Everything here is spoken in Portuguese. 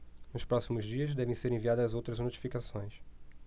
nos próximos dias devem ser enviadas as outras notificações